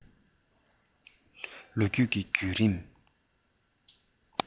ལོ རྒྱུས ཀྱི རྒྱུད རིམ